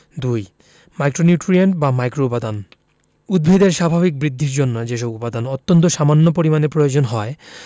২ micronutrient বা মাইক্রোউপাদান উদ্ভিদের স্বাভাবিক বৃদ্ধির জন্য যেসব উপাদান অত্যন্ত সামান্য পরিমাণে প্রয়োজন হয়